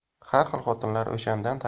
har xil xotinlar